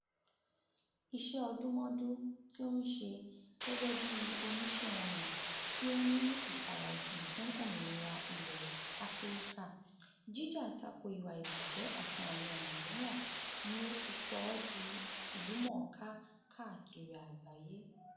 Iṣẹ́ ọdúnmọ́dún tí ó ń ṣe gẹ́gẹ́ bíi oníṣẹ́ ọnà tí ó ní ìfarajìn fún òmìnira ilẹ̀ Áfíríkà, jíjà tako ìwà ìbàjẹ́, àti àwọn ọ̀ràn mìíràn ni ó ti sọ ọ́ di ìlúmọ̀ọ́ká káàkiri àgbáyé.